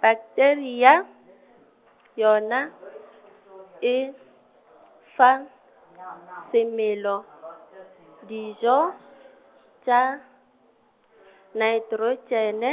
pakteria , yona, e, fa , semelo, dijo, tša, naetrotšene,